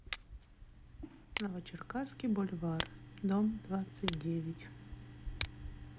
новочеркасский бульвар дом двадцать девять